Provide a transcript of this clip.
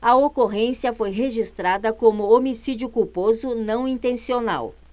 a ocorrência foi registrada como homicídio culposo não intencional